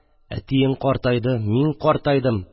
Әтиең картайды, мин картайдым